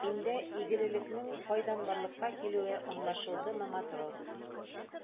Миндә игелеклелекнең кайдан барлыкка килүе аңлашылдымы, матрос?